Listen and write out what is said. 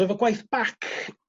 so efo gwaith bac